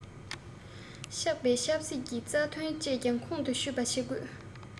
ཆགས པའི ཆབ སྲིད ཀྱི རྩ དོན བཅས ཀྱང ཁོང དུ ཆུད པ བྱེད དགོས